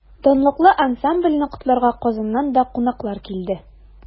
Данлыклы ансамбльне котларга Казаннан да кунаклар килде.